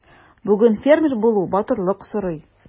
Бүген фермер булу батырлык сорый.